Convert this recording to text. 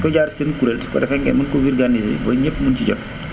day koy jaarale seen i kuréel su ko defee ngeen mën ko vulgarisé ba ñëpp mën ci jot